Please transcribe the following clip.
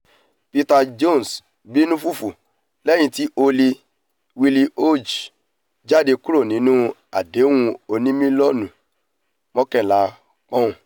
Peter Jones 'bínu fùfù' lẹ́yìn ti Holly Willoughby jáde kúrò nínú àdéhùn oní-mílíọ́nù mọ́kànlá pọ́uǹ